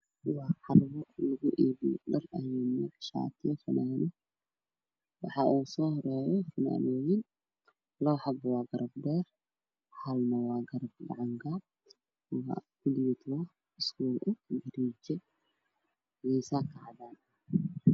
Waxaa ii muuqda meel lagu gado fanaanadaha gacmo dheeraha ah qaar midabkooda waa dambas qaar waa buluug qaar waa cagaar xigeen